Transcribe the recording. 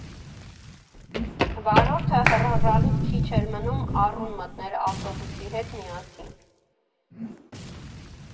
Վարորդը հռհռալուց քիչ էր մնում առուն մտներ ավտոբուսի հետ միասին։